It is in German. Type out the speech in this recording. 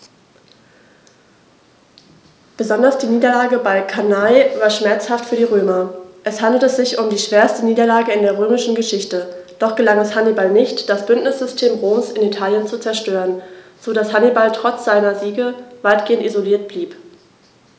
Besonders die Niederlage bei Cannae war schmerzhaft für die Römer: Es handelte sich um die schwerste Niederlage in der römischen Geschichte, doch gelang es Hannibal nicht, das Bündnissystem Roms in Italien zu zerstören, sodass Hannibal trotz seiner Siege weitgehend isoliert blieb.